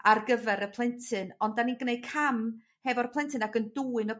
ar gyfer y plentyn ond 'dan ni'n gneud cam hefo'r plentyn ag yn dwyn y